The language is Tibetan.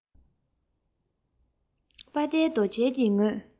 པ ཊའི རྡོ གཅལ གྱི ངོས